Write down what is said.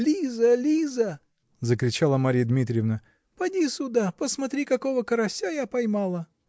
-- Лиза, Лиза, -- закричала Марья Дмитриевна, -- поди сюда, посмотри, какого карася я поймала.